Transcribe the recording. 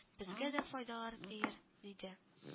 Безгә дә файдалары тияр, - диде